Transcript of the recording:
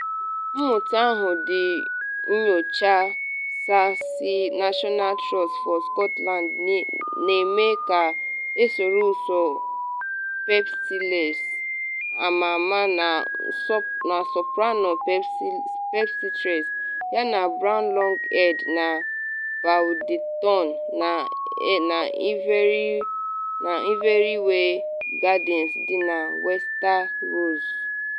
Mmụta ahụ ndị nyocha sayensị National Trust for Scotland na-eme ga-esoro ụsụ pipistrelles ama ama na soprano pipistrelles yana brown long-eared na Daubenton na Inverewe Gardens dị na Wester Ross.